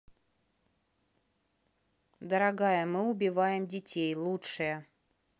дорогая мы убиваем детей лучшее